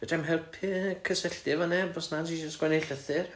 fedra i'm helpu cysylltu efo neb os nad ti isio sgwennu llythyr